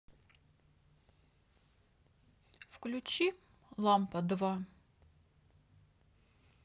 включи лампа два